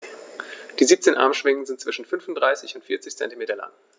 Die 17 Armschwingen sind zwischen 35 und 40 cm lang.